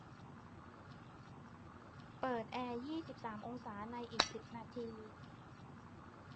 เปิดแอร์ยี่สิบสามองศาในอีกสิบนาที